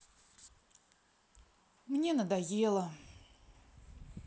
мне надоело